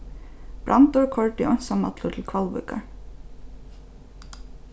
brandur koyrdi einsamallur til hvalvíkar